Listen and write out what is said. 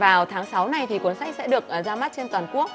vào tháng sáu này thì cuốn sách sẽ được à ra mắt trên toàn quốc